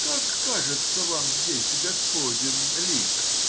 Как кажется вам здесь господень лик?